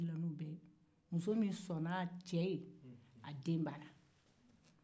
musomin sɔnna a cɛ ye a den b'a la